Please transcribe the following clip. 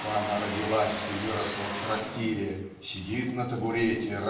что она родилась и выросла в трактире сидит на табурете